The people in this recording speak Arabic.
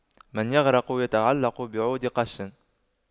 من يغرق يتعلق بعود قش